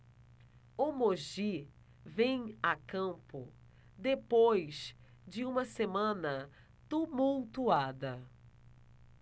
o mogi vem a campo depois de uma semana tumultuada